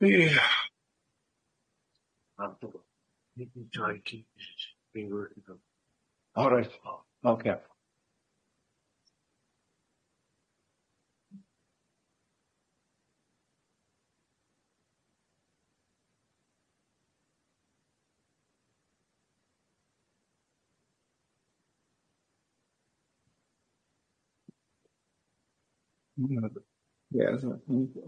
Olreit, ocê.